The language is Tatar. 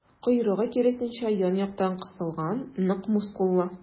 Койрыгы, киресенчә, ян-яктан кысылган, нык мускуллы.